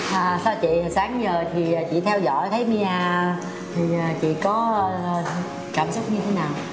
à sao chị sáng giờ thì chị theo dõi thấy mi a thì chị có cảm xúc như thế nào